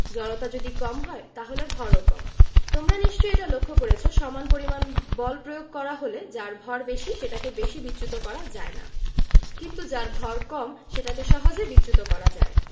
জড়তা যদি কম হয় তাহলে ভরও কম তোমরা নিশ্চয়ই এটা লক্ষ করেছ সমান পরিমাণ বল প্রয়োগ করা হলে যার ভর বেশি সেটাকে বেশি বিচ্যুত করা যায় না কিন্তু যার ভয় কম সেটাকে সহজে বিচ্যুত করা যায়